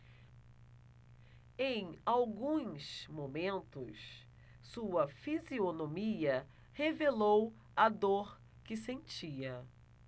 em alguns momentos sua fisionomia revelou a dor que sentia